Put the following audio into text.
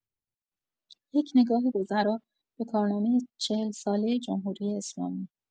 یک نگاه گذرا به کارنامه ۴۰ ساله جمهوری‌اسلامی